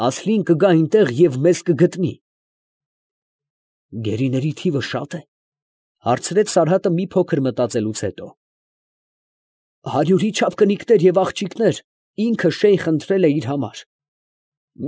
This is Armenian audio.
Ասլին կգա այնտեղ և մեզ կգտնի։ ֊ Գերիների թիվը շա՞տ է, ֊ հարցրեց Սարհատը մի փոքր մտածելուց հետո։ ֊ Հարյուրի չափ կնիկներ ու աղջիկներ ինքր շեյխը ընտրել է իր համար. մի։